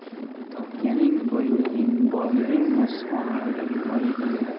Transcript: topganing boyliging boyligingmas oyhging